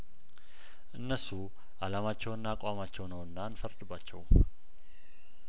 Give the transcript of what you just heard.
እነሱ አላማቸውና አቋማቸው ነውና አን ፈርድባቸውም